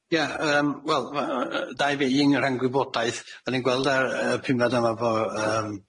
Ia, yym wel yy yy dau be', un o rhan gwybodaeth. O'n i'n gweld ar yy pumed yn fan'ma bo' yym